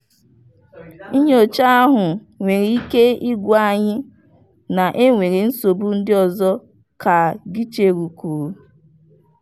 ...Nnyocha ahụ nwere ike ịgwa anyị na-enwere nsogbu ndị ọzọ," Ka Gicheru kwuru.